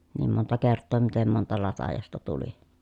niin monta kertaa miten monta latajasta tuli